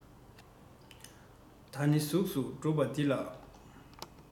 ད ནི གཟུགས སུ གྲུབ པ འདི ལགས